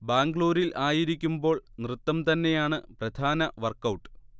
ബാംഗ്ലൂരിൽ ആയിരിക്കുമ്ബോൾ നൃത്തംതന്നെയാണ് പ്രധാന വർക്ക് ഔട്ട്